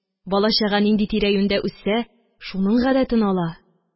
Бала-чага нинди тирә-юньдә үссә, шуның гадәтен ала.